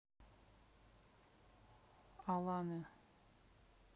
алане